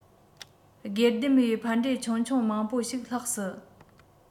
སྒེར སྡེམ བའི ཕན འབྲས ཆུང ཆུང མང པོ ཞིག ལྷག སྲིད